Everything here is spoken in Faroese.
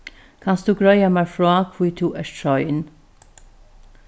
kanst tú greiða mær frá hví tú ert sein